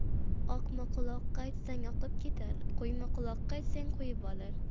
oqma quloqqa aytsang oqib ketar quyma quloqqa aytsang quyib olar